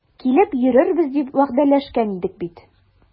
Килеп йөрербез дип вәгъдәләшкән идек бит.